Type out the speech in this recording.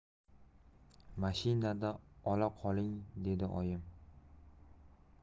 mashinada ola qoling dedi oyim